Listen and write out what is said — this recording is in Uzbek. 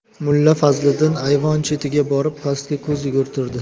mulla fazliddin ayvon chetiga borib pastga ko'z yugurtirdi